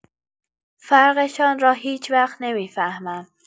فرق‌شان را هیج‌وقت نمی‌فهمم.